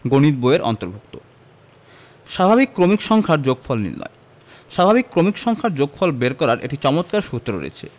গণিত বই-এর অন্তর্ভুক্ত স্বাভাবিক ক্রমিক সংখ্যার যোগফল নির্ণয় স্বাভাবিক ক্রমিক সংখ্যার যোগফল বের করার একটি চমৎকার সূত্র রয়েছে